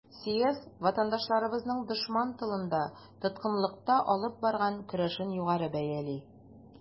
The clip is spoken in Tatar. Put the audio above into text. Съезд ватандашларыбызның дошман тылында, тоткынлыкта алып барган көрәшен югары бәяли.